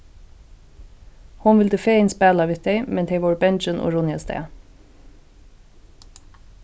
hon vildi fegin spæla við tey men tey vóru bangin og runnu avstað